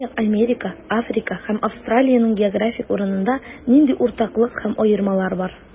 Көньяк Америка, Африка һәм Австралиянең географик урынында нинди уртаклык һәм аермалар бар?